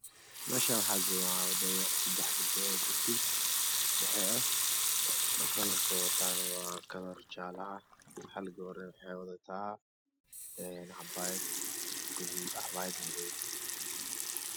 Meeshaan waxaa joogaan ardayo 3 gabdhood dugsi dhaxe ah kalarkee wataana waa kalar jaale ah hal gabar ah waxay wadataa een cabaayad guduud cabaayad madow